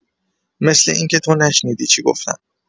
مثل اینکه تو نشنیدی چی گفتم.